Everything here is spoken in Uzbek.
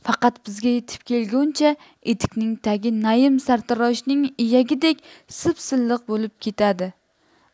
faqat bizga yetib kelguncha etikning tagi naim sartaroshning iyagidek sipsilliq bo'lib ketadi